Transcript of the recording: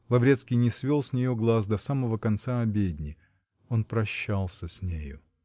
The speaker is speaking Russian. Лаврецкий не свел с нее глаз до самого конца обедни: он прощался с нею.